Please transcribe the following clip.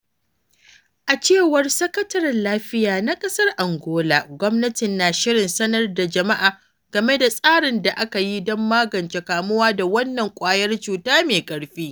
A cewar Sakataren Lafiya na ƙasar Angola, gwamnatin na shirin sanar da jama’a game da tsarin da aka yi don magance kamuwa da wannan ƙwayar cuta mai ƙarfi.